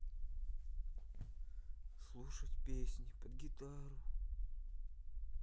слушать песни под гитару